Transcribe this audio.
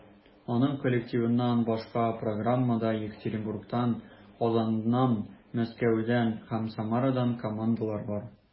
Аның коллективыннан башка, программада Екатеринбургтан, Казаннан, Мәскәүдән һәм Самарадан командалар бар.